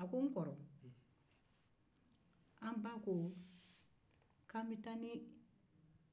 a ko n kɔrɔ an ba ko k'an bɛ taa ni